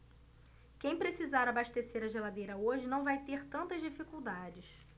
quem precisar abastecer a geladeira hoje não vai ter tantas dificuldades